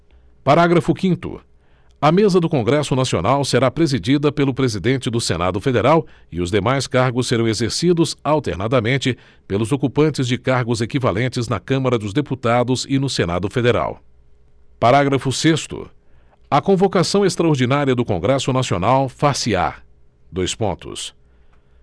parágrafo quinto a mesa do congresso nacional será presidida pelo presidente do senado federal e os demais cargos serão exercidos alternadamente pelos ocupantes de cargos equivalentes na câmara dos deputados e no senado federal parágrafo sexto a convocação extraordinária do congresso nacional far se á dois pontos